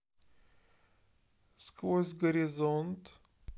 сквозь горизонт